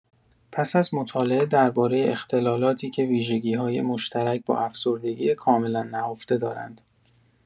پس از مطالعه درباره اختلالاتی که ویژگی‌های مشترک با افسردگی کاملا نهفته دارند.